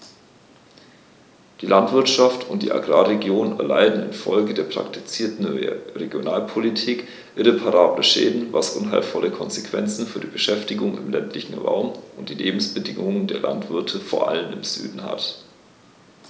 Die Landwirtschaft und die Agrarregionen erleiden infolge der praktizierten Regionalpolitik irreparable Schäden, was unheilvolle Konsequenzen für die Beschäftigung im ländlichen Raum und die Lebensbedingungen der Landwirte vor allem im Süden hat.